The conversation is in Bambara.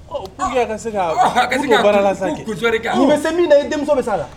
Se ka la bɛ se min i denmuso bɛ saa la